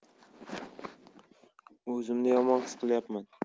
o'zimni yomon his qilayapman